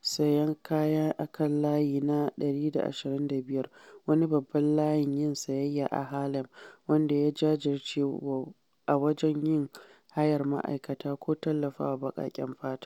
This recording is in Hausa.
sayen kaya a kan layi na 125, wani babban layin yin sayayya a Harlem, wanda ya jajirce a wajen yin hayar ma’aikata ko tallafawa baƙaƙen fata.